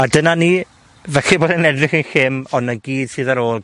A dyna ni, falle bod e'n edrych yn llym, ond 'na gyd sydd ar ôl